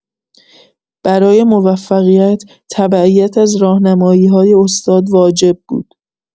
برای موفقیت، تبعیت از راهنمایی‌های استاد واجب بود.